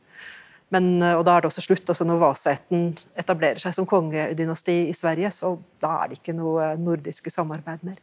men og da er det også slutt altså Vasa-ætten etablerer seg som kongedynasti i Sverige så da er det ikke noe nordiske samarbeid mer.